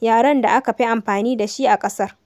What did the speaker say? yaren da aka fi amfani dashi a ƙasar.